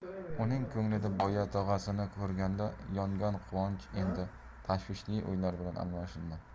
uning ko'nglida boya tog'asini ko'rganda yongan quvonch endi tashvishli o'ylar bilan almashindi